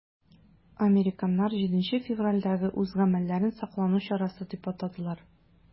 Американнар 7 февральдәге үз гамәлләрен саклану чарасы дип атадылар.